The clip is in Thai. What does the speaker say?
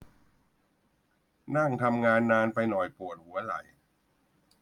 นั่งทำงานนานไปหน่อยปวดหัวไหล่